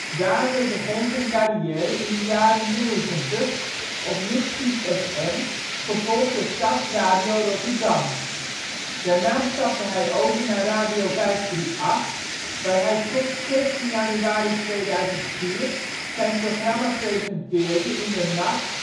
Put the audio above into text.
Dane begon zijn carrière in de jaren ' 90 op Midvliet FM, gevolgd door Stadsradio Rotterdam. Daarna stapte hij over naar Radio 538, waar hij tot 16 januari 2004 zijn programma presenteerde in de nacht